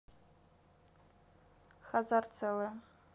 хазар целое